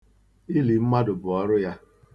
Ili mmadụ bụ ọrụ ya.